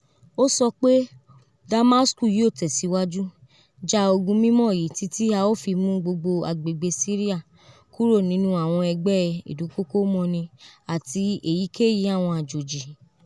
O sọ pe Damasku yoo tẹsiwaju "ja ogun mimọ yii titi a o fi mu gbogbo agbegbe Siria" kúrò nínú awọn ẹgbẹ idunkoko mọni ati "eyikeyi awọn ajoji."